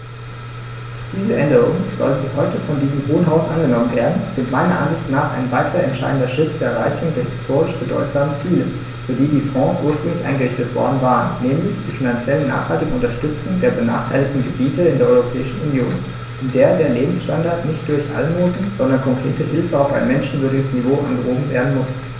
Diese Änderungen, sollten sie heute von diesem Hohen Haus angenommen werden, sind meiner Ansicht nach ein weiterer entscheidender Schritt zur Erreichung der historisch bedeutsamen Ziele, für die die Fonds ursprünglich eingerichtet worden waren, nämlich die finanziell nachhaltige Unterstützung der benachteiligten Gebiete in der Europäischen Union, in der der Lebensstandard nicht durch Almosen, sondern konkrete Hilfe auf ein menschenwürdiges Niveau angehoben werden muss.